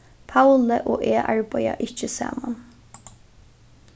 pauli og eg arbeiða ikki saman